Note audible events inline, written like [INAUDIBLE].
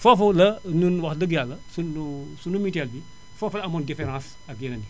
foofu la ñun wax dëgg yàlla suñu [HESITATION] suénu mutuel bi foofu la amoon différence [NOISE] ak yeneen yi